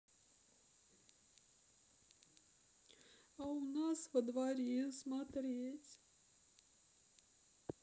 а у нас во дворе смотреть